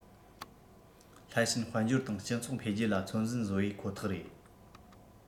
སླད ཕྱིན དཔལ འབྱོར དང སྤྱི ཚོགས འཕེལ རྒྱས ལ ཚོད འཛིན བཟོ བའི ཁོ ཐག རེད